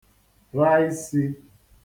ra isi